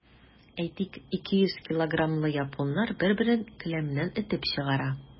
Әйтик, 200 килограммлы японнар бер-берен келәмнән этеп чыгара.